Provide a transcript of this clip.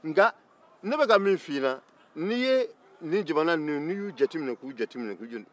nka ne bɛ ka min f'i ɲɛna n'i ye nin jamana ninnu n'i y'u jateminɛ k'u jateminɛ k'u jate